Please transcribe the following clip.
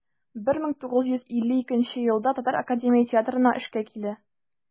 1952 елда татар академия театрына эшкә килә.